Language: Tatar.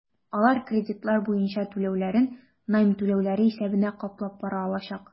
Алар кредитлар буенча түләүләрен найм түләүләре исәбенә каплап бара алачак.